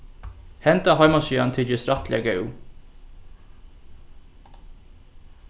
henda heimasíðan tykist rættiliga góð